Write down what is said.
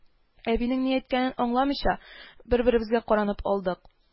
Әбинең ни әйткәнен аңламыйча, бер-беребезгә каранып алдык